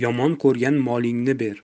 yomon ko'rgan molingni ber